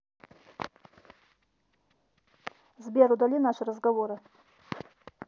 сбер удали наши разговоры